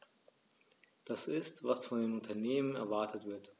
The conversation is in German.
Das ist, was von den Unternehmen erwartet wird.